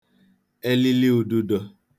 elili ūdūdō